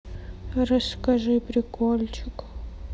расскажи прикольчик